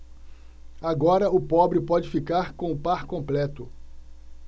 agora o pobre pode ficar com o par completo